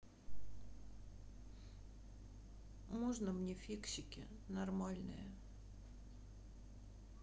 можно мне фиксики нормальные